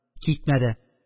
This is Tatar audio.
Китмәде